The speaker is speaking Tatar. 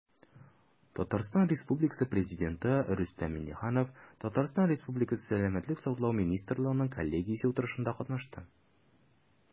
Татарстан Республикасы Президенты Рөстәм Миңнеханов ТР Сәламәтлек саклау министрлыгының коллегиясе утырышында катнашты.